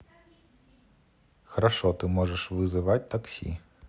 хорошо ты можешь вызывать такси